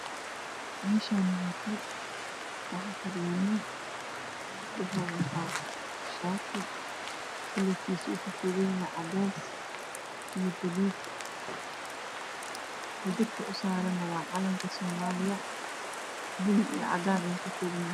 Meeshaani waa qol waxaa fadhiya nin. Wuxuu wataa shaati kalarkiisa uu ka kooban yahay cadays iyo baluug xidigta u saarane waa calanka soomaaliya bulug iyo cadaan ka kooban yahay